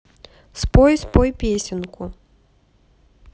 спой спой песенку